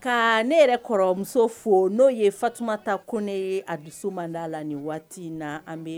Kaa ne yɛrɛ kɔrɔmuso fo n'o ye Fatumata Kone ye a dusu mand'a la nin waati in na an be